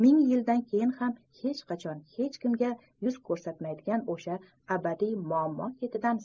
ming yildan keyin ham hech qachon hech kimga yuz ko'rsatmaydigan o'sha abadiy muammo ketidan